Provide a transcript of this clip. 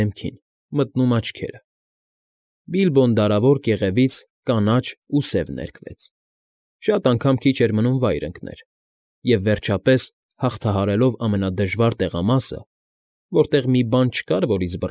Բիլբոն դարավոր կեղևից կանաչ ու սև ներկվեց, շատ անգամ քիչ էր մնում վայր ընկներ և, վերջապես, հաղթահարելով ամենադժվար տեղամասը, որտեղ մի բան չկար, որից։